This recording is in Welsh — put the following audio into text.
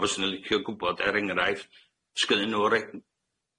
A fyswn i'n licio gwbod er enghraifft sgynnyn nw rei-